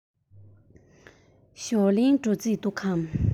ཞའོ ལིའི འགྲོ རྩིས འདུག གས